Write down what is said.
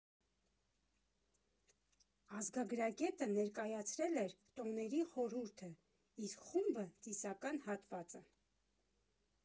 Ազգագրագետը ներկայացրել էր տոների խորհուրդը, իսկ խումբը՝ ծիսական հատվածը։